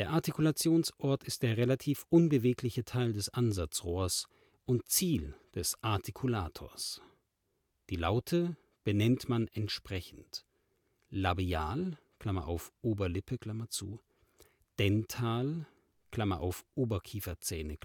Artikulationsort ist der relativ unbewegliche Teil des Ansatzrohrs und Ziel des Artikulators. Die Laute benennt man entsprechend: labial (Oberlippe) dental (Oberkieferzähne